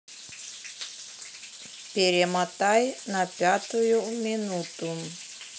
перемотай на пятую минуту